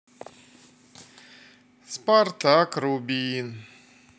спартак рубин